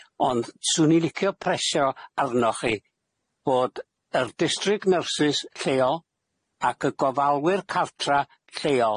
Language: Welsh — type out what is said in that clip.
Ond, 'swn i licio presio arnoch chi bod yr district nurses lleol, ac y gofalwyr cartra lleol